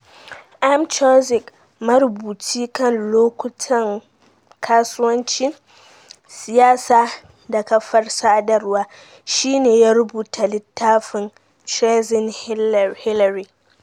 Amy Chozick, marubuci kan lokutan kasuwanci, siyasa da kafar sadarwa, shi ne ya rubuta littafin “Chasing Hillary.”